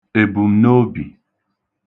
èbùmnobì